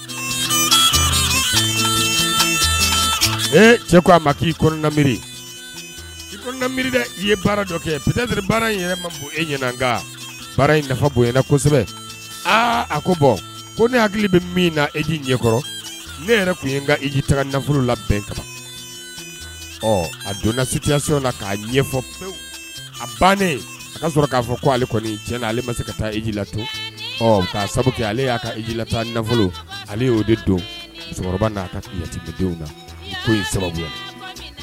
Cɛ ko a ma ki mi i mi i ye baara dɔ kɛ p baara in yɛrɛ e in nafa bon kosɛbɛ a ko ko ne hakili bɛ min na eji ɲɛkɔrɔ ne yɛrɛ tun ye iji ta nafolo la bɛn kama ɔ a donna siyaso na k'a ɲɛfɔ pewu a bannen kaa sɔrɔ k'a fɔ kale ti ale ma se ka taajii lato k'a sabu ale y'ajila tan nafolo musokɔrɔbatidenw